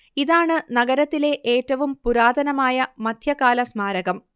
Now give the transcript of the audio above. ഇതാണ് നഗരത്തിലെ ഏറ്റവും പുരാതനമായ മധ്യകാല സ്മാരകം